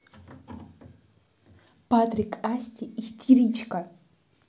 патрик asti истеричка